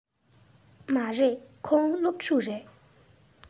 མ རེད ཁོང སློབ ཕྲུག རེད